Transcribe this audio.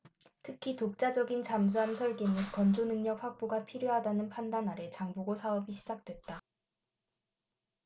특히 독자적인 잠수함 설계 및 건조 능력 확보가 필요하다는 판단아래 장보고 사업이 시작됐다